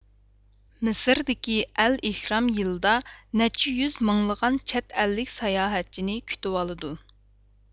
مىسىردىكى ئەلئېھرام يىلدا نەچچە يۈز مىڭلىغان چەت ئەللىك ساياھەتچىنى كۈتۈۋالىدۇ